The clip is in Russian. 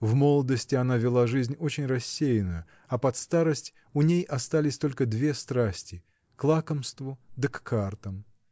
В молодости она вела жизнь очень рассеянную, а под старость у ней остались только две страсти -- к лакомству да к картам.